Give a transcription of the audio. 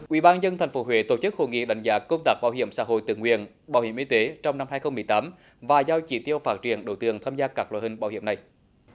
ủy ban dân thành phố huế tổ chức hội nghị đánh giá công tác bảo hiểm xã hội tự nguyện bảo hiểm y tế trong năm hai không mười tám và giao chỉ tiêu phát triển đối tượng tham gia các loại hình bảo hiểm này